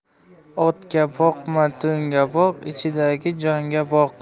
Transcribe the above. otga boqma to'nga boq ichidagi jonga boq